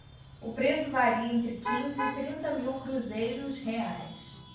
o preço varia entre quinze e trinta mil cruzeiros reais